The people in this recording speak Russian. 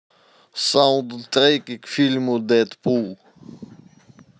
саундтреки к фильму дэдпул